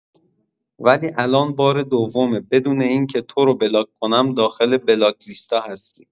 ولی الان بار دومه بدون اینکه تورو بلاک کنم داخل بلاک لیستا هستی!